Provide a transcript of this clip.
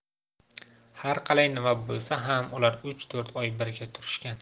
har qalay nima bo'lsa ham ular uch to'rt oy birga turishgan